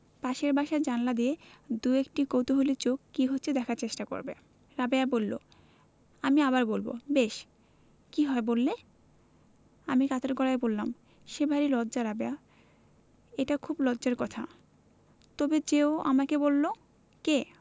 পাশের বাসার জানালা দিয়ে দুএকটি কৌতুহলী চোখ কি হচ্ছে দেখতে চেষ্টা করবে রাবেয়া বললো আমি আবার বলবো বেশ কি হয় বললে আমি কাতর গলায় বললাম সে ভারী লজ্জা রাবেয়া এটা খুব একটা লজ্জার কথা তবে যে ও আমাকে বললো কে